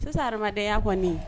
Sisan adamadenya kɔni